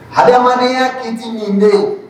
Hamadenya kiiti nin de